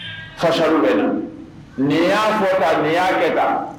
Fasɔ bɛ nin y'a fɔ ka nii y'a kɛ da